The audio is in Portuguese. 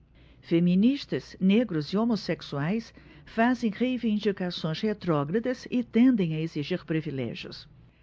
feministas negros e homossexuais fazem reivindicações retrógradas e tendem a exigir privilégios